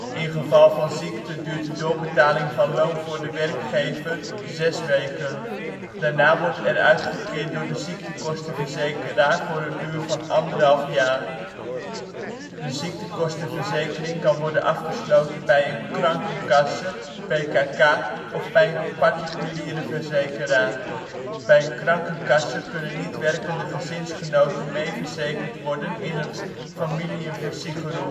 In geval van ziekte duurt de doorbetaling van loon door de werkgever 6 weken. Daarna wordt er uitgekeerd door de ziektekostenverzekeraar voor de duur van 1,5 jaar. De ziektekostenverzekering kan worden afgesloten bij een Krankenkasse (BKK) of bij een partikuliere verzekeraar. Bij een Krankenkasse kunnen niet werkende gezinsgenoten meeverzekerd worden in een Familienversicherung